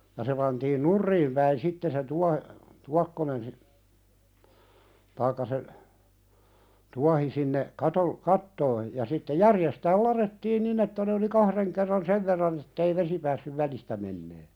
ja se pantiin nurin päin sitten se - tuokkonen - tai se tuohi sinne - kattoon ja sitten järjestään ladottiin niin että ne oli kahden kerran sen verran että ei vesi päässyt välistä menemään